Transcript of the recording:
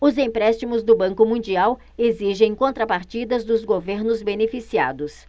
os empréstimos do banco mundial exigem contrapartidas dos governos beneficiados